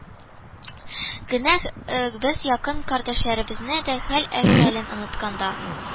Генә без якын кардәшләребезнең дә хәл-әхвәлен онытканда